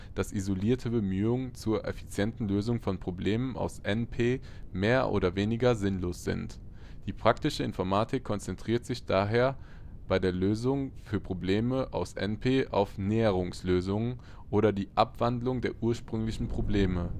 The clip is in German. dass isolierte Bemühungen zur effizienten Lösung von Problemen aus NP mehr oder weniger sinnlos sind. Die praktische Informatik konzentriert sich daher bei der Lösung für Probleme aus NP auf Näherungslösungen oder die Abwandlung der ursprünglichen Probleme